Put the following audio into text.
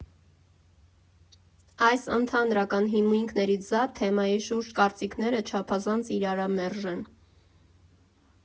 Այս ընդհանրական հիմունքներից զատ, թեմայի շուրջ կարծիքները չափազանց իրարամերժ են։